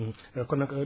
kon nag